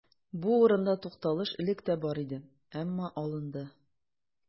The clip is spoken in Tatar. Бу урында тукталыш элек тә бар иде, әмма алынды.